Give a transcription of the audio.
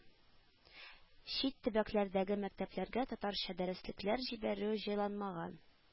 Чит төбәкләрдәге мәктәпләргә татарча дәреслекләр җибәрү җайланмаган